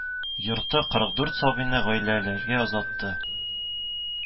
Йорты кырык дүрт сабыйны гаиләләргә озатты